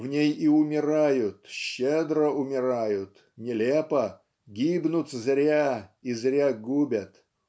В ней и умирают, щедро умирают, нелепо, гибнут зря и зря губят.